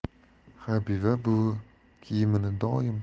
habiba buvi kiyimini doim